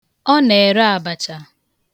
Ọ na-ere abacha.